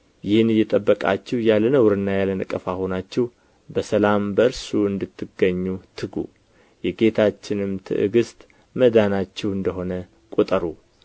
ይህን እየጠበቃችሁ ያለ ነውርና ያለ ነቀፋ ሆናችሁ በሰላም በእርሱ እንድትገኙ ትጉ የጌታችንም ትዕግሥት መዳናችሁ እንደ ሆነ ቍጠሩ